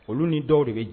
Olu ni dɔw de bɛ